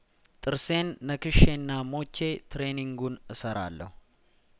ጥርሴን ነክ ሼና ሞቼ ትሬይኒንጉን እሰራ ለሁ